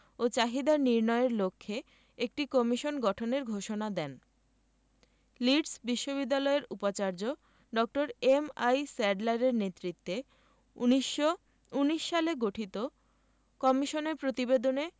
ও চাহিদা নির্ণয়ের লক্ষ্যে একটি কমিশন গঠনের ঘোষণা দেন লিড্স বিশ্ববিদ্যালয়ের উপাচার্য ড. এম.আই স্যাডলারের নেতৃত্বে ১৯১৯ সালে গঠিত কমিশনের প্রতিবেদনে